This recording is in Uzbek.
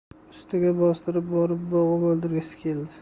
ustiga bostirib borib bo'g'ib o'ldirgisi keldi